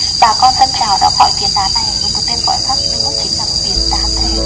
bà con tân trào đã gọi phiến đá này với một tên gọi khác nữa chính là phiến đá thề